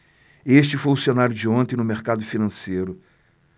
este foi o cenário de ontem do mercado financeiro